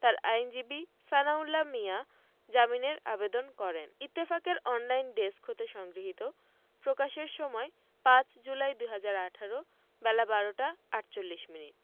তার আইনজীবী সানাউল্লাহ মিয়া জামিনের আবেদন করেন ইত্তফাকের অনলাইন ডেস্ক হতে সংগৃহীত প্রকাশের সময় ৫ জুলাই ২০১৮ বেলা১২টা ৪৮ মিনিট